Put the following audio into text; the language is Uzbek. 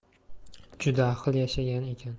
juda ahil yashagan ekan